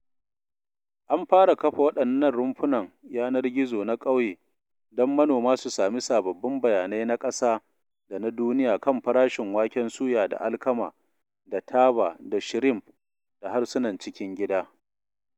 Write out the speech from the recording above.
An fara kafa waɗannan rumfunan yanar gizo na ƙauye don manoma su sami sababbin bayanai na ƙasa da na duniya kan farashin waken suya da alkama da taba da shrimp da harsunan cikin gida.